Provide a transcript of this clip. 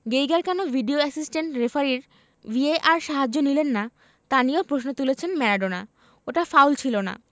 Geiger কেন video assistant রেফারির VAR সাহায্য নিলেন না তা নিয়েও প্রশ্ন তুলেছেন ম্যারাডোনা ওটা ফাউল ছিল না